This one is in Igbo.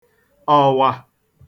ọ̀wà